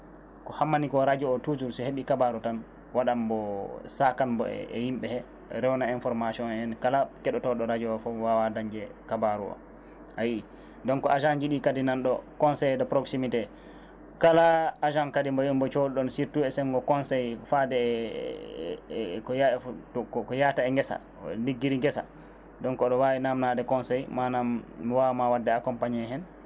ko hammani ko radio o toujours sa heeɓi kabaru tan waɗanmo sakanmo e yimɓe hee rewna information kala keɗotoɗo radio foof wawa dañje kabaru o ayi donc agent ji ɗi kadi nanɗo conseillé de proximité kala agent kadi mo cohluɗon surtout e sengo conseil e faade e ko ko yata e geesa liggiri geesa donc aɗa wawi namdade conseil manam mi wawa ma wadde accompagné heen